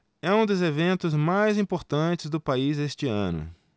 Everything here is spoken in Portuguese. é um dos eventos mais importantes do país este ano